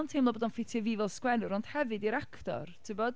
Yn teimlo bod o'n ffitio i fi fel sgwennwr, ond hefyd i'r actor, tibod?